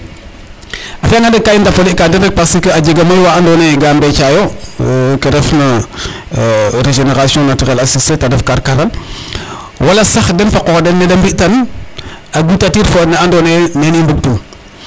A fi'angaan rek ka i rappeler ka den rek parce que a jega mayu wa andoona yee ga mbeectaayo ke refna regénération naturelle assisté ta ref karkaral wala sax den fa qox den ne da mbi'tan a gutatir fo ne andoona yee nene i mbugtun .